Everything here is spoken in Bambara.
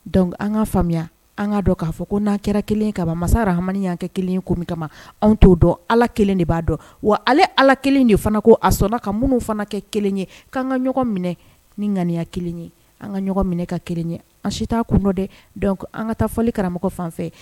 Dɔnkuc an ka faamuya an ka dɔn k'a fɔ ko n'an kɛra kelen kaba masara hamani'an kɛ kelen ko kama anw t'o dɔn ala kelen de b'a dɔn wa ale ala kelen de fana ko a sɔnna ka minnu fana kɛ kelen ye k'an ka ɲɔgɔn minɛ ni ŋaniya kelen ye an ka minɛ ka kelen ye an si kun dɛ an ka taa fɔli karamɔgɔ fan